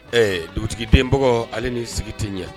Ɛɛ dugutigi den bɔ ale ni sigi tɛ ɲɛ